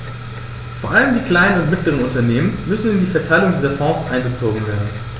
Vor allem die kleinen und mittleren Unternehmer müssen in die Verteilung dieser Fonds einbezogen werden.